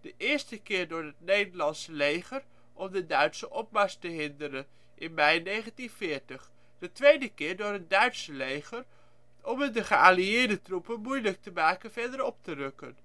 de eerste keer door het Nederlandse leger om de Duitse opmars te hinderen (mei 1940), de tweede keer door het Duitse leger om het de geallieerde troepen moeilijk te maken verder op te rukken